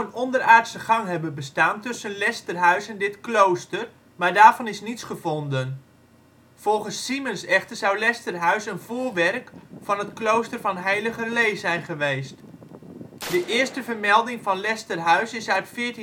onderaardse gang hebben bestaan tussen Lesterhuis en dit klooster, maar daarvan is niets van gevonden. Volgens Siemens echter zou Lesterhuis een voorwerk van het klooster van Heiligerlee zijn geweest. De eerste vermelding van Lesterhuis is uit 1441